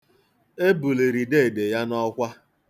E buliri deede ya n'ọkwa.